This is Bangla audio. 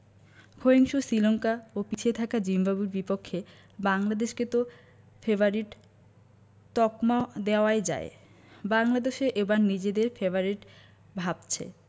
ক্ষয়িংষু শ্রীলঙ্কা ও পিছিয়ে থাকা জিম্বাবুয়ের বিপক্ষে বাংলাদেশকে তো ফেবারিট তকমা দেওয়াই যায় বাংলাদেশও এবার নিজেদের ফেবারিট ভাবছে